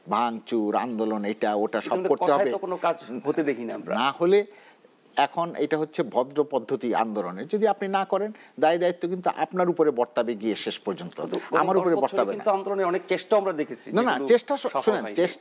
ভাঙচুর আন্দোলন এটা ওটা মনে করেন যে বাস্তবতা মানেই সব করতে হবে কথায় তো কোন কাজ হতে দেখি না আমরা না হলে এখন এটা হচ্ছে ভদ্র পদ্ধতি আন্দোলন আপনি যদি না করেন দায় দায়িত্ব কিন্তু আপনার উপর বর্তাবে শেষ পর্যন্ত আমাদের উপর বর্তাবে না কিন্তু কয়েক বছর আন্দোলনের অনেক চেষ্টা আমরা দেখেছি নানা চেষ্টা সবসময়